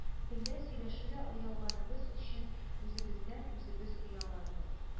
Телдә сөйләшергә оялганыбыз өчен үзебездән үзебез оялырбыз